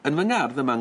Yn 'yng ngardd yma yn...